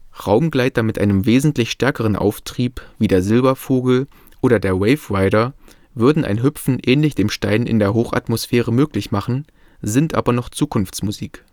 Raumgleiter mit einem wesentlich stärkeren Auftrieb wie der Silbervogel oder der Waverider würden ein Hüpfen ähnlich dem Stein in der Hochatmosphäre möglich machen, sind aber noch Zukunftsmusik